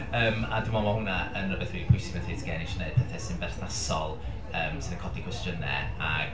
Yym a dw i'n meddwl ma' hwnna yn rywbeth rili pwysig ma' Theatr Gen isio wneud pethau sy'n berthnasol, yym, sydd yn codi cwestiynau ac...